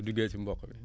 bu duggee si mboq mi